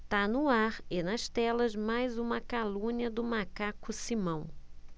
tá no ar e nas telas mais uma calúnia do macaco simão